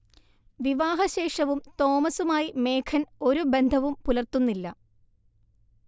വിവാഹശേഷവും തോമസുമായി മേഘൻ ഒരു ബന്ധവും പുലർത്തുന്നില്ല